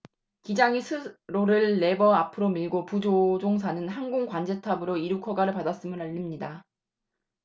기장이 스로틀 레버를 앞으로 밀고 부조종사는 항공 관제탑으로부터 이륙 허가를 받았음을 알립니다